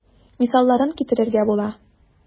Мисалларын китерергә була.